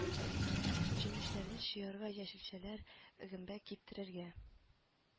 Җимешләрне җыярга, яшелчәләр, гөмбә киптерергә